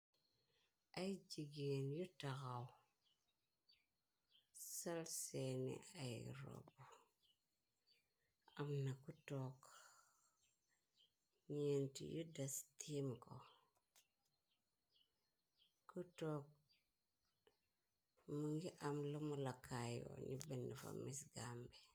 Ay jigeen yu taxaw sal seeni ay rob am na ku tokk ñeenti yu das tiim ko ku took mu ngi am lamu lakaayo ñu benn fa mis gambe.